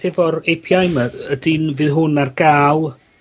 ...efo'r Ay Pee Eye 'ma ydi'n, fydd hwn ar ga'l